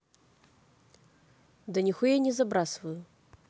да нихуя не забрасываю